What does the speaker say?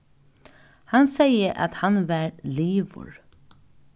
hann segði at hann var liðugur